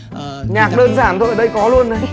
nhạc đơn giản thôi đây có luôn này